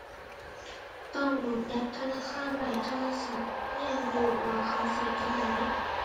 ต้องโหลดแอปธนาคารไว้โทรศัพท์ เรียนรู้ว่าเขาใช้จั่งใด